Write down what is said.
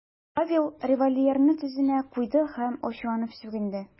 Павел револьверны тезенә куйды һәм ачуланып сүгенде .